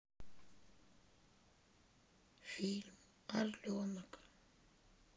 фильм орленок